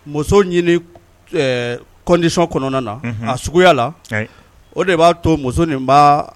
Muso ɲini kɔndisɔn kɔnɔna na a suguya la o de b'a to muso nin